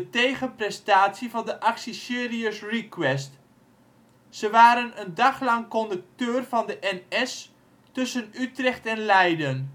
tegenprestatie van de actie Serious Request. Ze waren een dag lang conducteur van de NS tussen Utrecht en Leiden